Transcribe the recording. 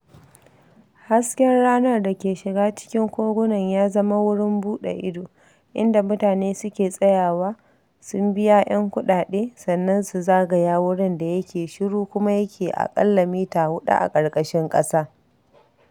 Hasken ranar da ke shiga cikin kogunan ya zama wurin buɗe ido, inda mutane suke tsayawa, sun biya 'yan kuɗaɗe, sannan su zagaya wurin da yake shiru kuma yake aƙalla mita huɗu a ƙarƙashin ƙasa.